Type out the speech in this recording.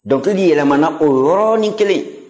dɔnkili yɛlɛmana o yɔrɔnin kelen